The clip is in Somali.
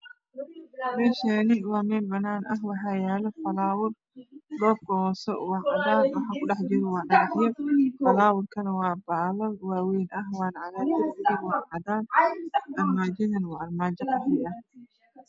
Meeshaani waa meel banaan ah waxaa yaalo falaawar dhulka hoose waa cagaar waxa ku dhex jira dhagaxyo falaawar kane waa baalal waa wayn ah waana cagaar darbiga waa cadaan armaajadane waa armaajo qaxwi ah .